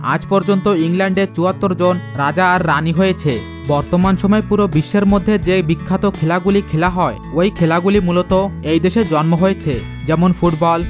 আজ পর্যন্ত ইংল্যান্ডে ৭৪ জন রাজা এবং রাণী হয়েছে বর্তমান সময়ে পুরো বিশ্বের মধ্যে বিখ্যাত যে খেলাগুলি খেলা হয় ওই খেলাগুলি মূলত এই দেশে জন্ম হয়েছে যেমন ফুটবল